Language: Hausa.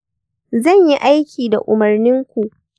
zan yi aiki da umurnin ku